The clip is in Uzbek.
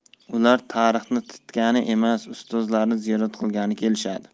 ular tarixni titgani emas ustozlarini ziyorat qilgani kelishadi